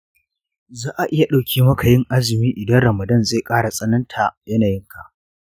za a iya ɗauke maka yin azumi idan ramadan zai ƙara tsananta yanayinka.